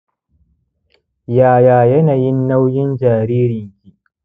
yaya yanayin nauyin jaririnki